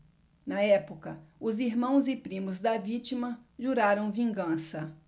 na época os irmãos e primos da vítima juraram vingança